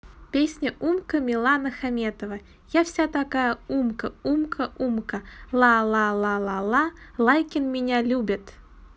песня умка милана хаметова я вся такая умка умка умка ла ла ла ла ла лайкин меня любят